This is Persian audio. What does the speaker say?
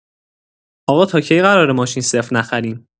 آقا تا کی قراره ماشین صفر نخریم؟